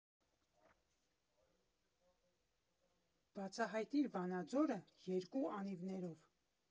Բացահայտիր Վանաձորը՝ երկու անիվներով։